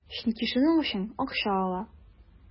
Чөнки шуның өчен акча ала.